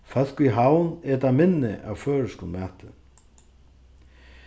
fólk í havn eta minni av føroyskum mati